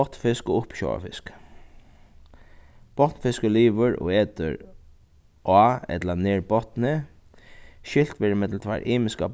botnfisk og uppsjóvarfisk botnfiskur livir og etur á ella nær botni skilt verður ímillum tveir ymiskar